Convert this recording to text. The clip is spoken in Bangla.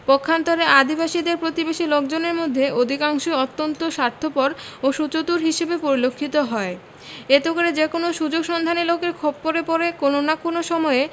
পক্ষান্তরে আদিবাসীদের প্রতিবেশী লোকজনদের মধ্যে অধিকাংশই অত্যন্ত স্বার্থপর ও সুচতুর হিসেবে পরিলক্ষিত হয় এতে করে যেকোন সুযোগ সন্ধানী লোকের খপ্পরে পড়ে কোন না কোন সময়ে